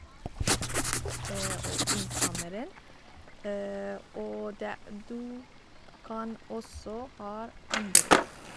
Og i sommeren og det du kan også her andre ting.